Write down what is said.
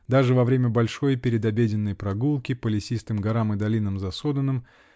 Даже во время большой передобеденной прогулки по лесистым горам и долинам за Соденом